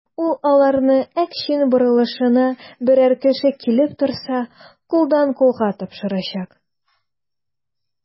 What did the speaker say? Ул аларны Әкчин борылышына берәр кеше килеп торса, кулдан-кулга тапшырачак.